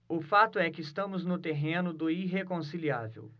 o fato é que estamos no terreno do irreconciliável